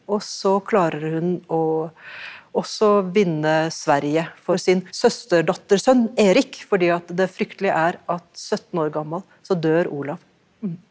også klarer hun å også vinne Sverige for sin søsterdattersønn Erik fordi at det fryktelige er 17 år gammal, så dør Olav .